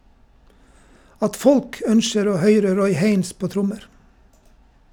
- At folk ønskjer å høyre Roy Haynes på trommer.